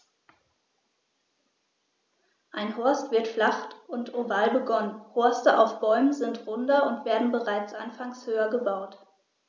Ein Horst wird flach und oval begonnen, Horste auf Bäumen sind runder und werden bereits anfangs höher gebaut.